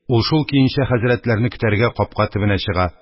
Ул шул көенчә хәзрәтләрне көтәргә капка төбенә чыга;